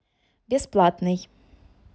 бесплатный